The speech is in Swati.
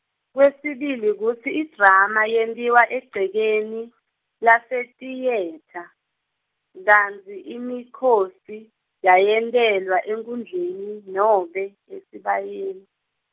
kwesibili kutsi idrama yentiwa egcekeni, lasetiyetha, kantsi imikhosi, yayentelwa enkhundleni nobe, esibayeni.